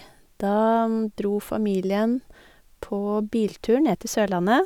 Da dro familien på biltur ned til Sørlandet.